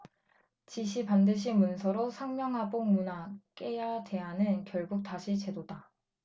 지시 반드시 문서로 상명하복 문화 깨야대안은 결국 다시 제도다